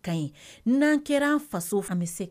N'an kɛra an faso bɛ se